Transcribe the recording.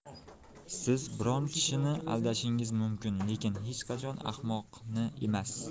siz biron kishini aldashingiz mumkin lekin hech qachon ahmoq emas